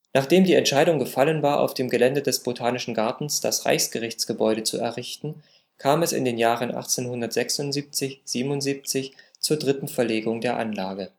Nachdem die Entscheidung gefallen war, auf dem Gelände des Botanischen Gartens das Reichsgerichtsgebäude zu errichten, kam es in den Jahren 1876 / 77 zur dritten Verlegung der Anlage